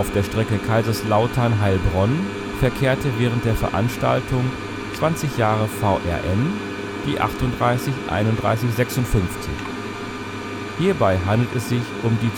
der Strecke Kaiserslautern - Heilbronn verkehrte während der Veranstaltung " 20 Jahre VRN " die 38 3156. Hierbei handelt es sich um die